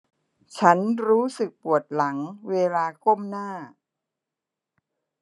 ฉันรู้สึกปวดหลังเวลาก้มหน้า